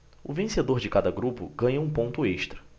o vencedor de cada grupo ganha um ponto extra